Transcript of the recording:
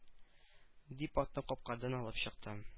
- дип атын капкадан алып чыкты